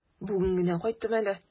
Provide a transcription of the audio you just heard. Бүген генә кайттым әле.